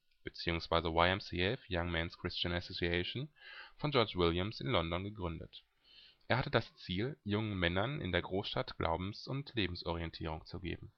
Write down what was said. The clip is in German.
bzw. YMCA für The Young Men 's Christian Association) von George Williams in London gegründet. Er hatte das Ziel, jungen Männern in der Großstadt Glaubens - und Lebensorientierung zu geben